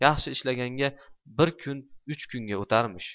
yaxshi ishlaganga bir kun uch kunga o'tarmish